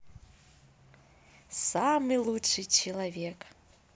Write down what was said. самый лучший человек